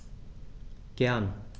Gern.